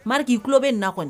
Mariki i tulon bɛ nin na kɔnni